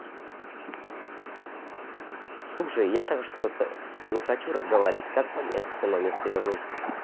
слушай я так что то не хочу разговаривать как нам это все на место вернуть